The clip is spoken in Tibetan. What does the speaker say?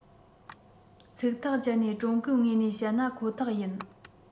ཚིག ཐག བཅད ནས ཀྲུང གོའི ངོས ནས བཤད ན ཁོ ཐག ཡིན